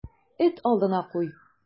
Эт алдына куй.